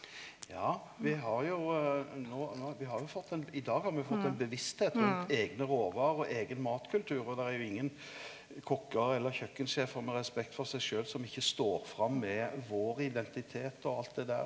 ja me har jo nå nå vi har jo fått ein i dag har me fått ein bevisstheit rundt eigne råvarer og eigen matkultur, og der er jo ingen kokkar eller kjøkkensjefar med respekt for seg sjølv som ikkje står fram med vår identitet og alt det der.